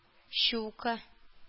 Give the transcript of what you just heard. Щука